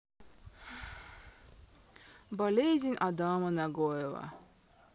болезнь адама нагоева